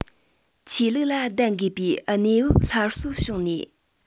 ཆོས ལུགས ལ ལྡན དགོས པའི གནས བབ སླར གསོ བྱུང ནས